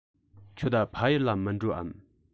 ཁྱོད ཕ ཡུལ ལ མི འགྲོ འམ